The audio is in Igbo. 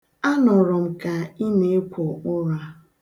Anụrụ m ka ị na-ekwo ụra.